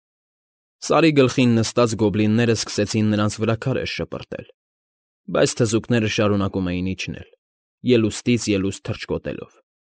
Սարի գլխին նստած գոբլիններն սկսեցին նրանց վրա քարեր շպրտել, բայց թզուկները շարունակում էին իջնել՝ ելուստից ելուստ թռչկոտելով։